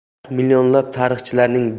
tarix millionlab tarixchilarning